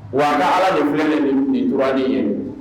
Wa ala nin filɛ nin ninturauradi ye